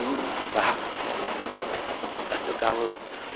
và học sẽ được đạt được cao hơn